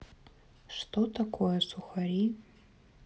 что такое сухари